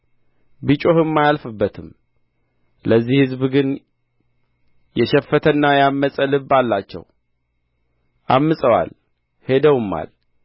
ቢጮኽም አያልፍበትም ለዚህ ሕዝብ ግን የሸፈተና ያመፀ ልብ አላቸው ዐምፀዋል ሄደውማል